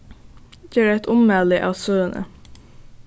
ger eitt ummæli av søguni